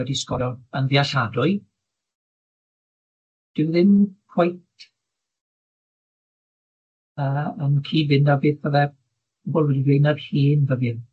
wedi sgoro yn ddealladwy dyw ddim cweit yy yn cyd-fynd â beth byddai'r bobol wedi ddweud yn yr hen ddyddie.